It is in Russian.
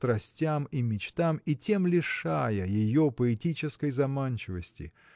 страстям и мечтам и тем лишая ее поэтической заманчивости